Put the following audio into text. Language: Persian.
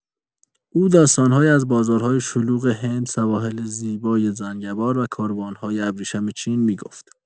او داستان‌هایی از بازارهای شلوغ هند، سواحل زیبای زنگبار و کاروان‌های ابریشم چین می‌گفت.